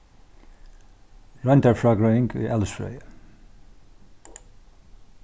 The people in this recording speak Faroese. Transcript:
royndarfrágreiðing í alisfrøði